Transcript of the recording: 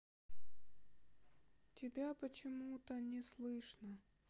тебя почему то не слышно